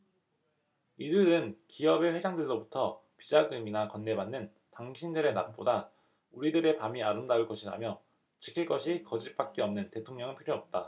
이들은 기업의 회장들로부터 비자금이나 건네받는 당신들의 낮보다 우리들의 밤이 아름다울 것이라며 지킬 것이 거짓밖에 없는 대통령은 필요 없다